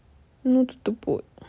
ну ты тупой